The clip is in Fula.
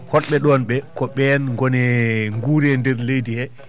hotɓe ɗoon ɓe ko ɓeen ngoni nguuri e ndeer leydi hee